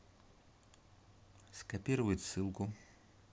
скопировать ссылку